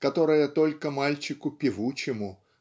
которая только мальчику певучему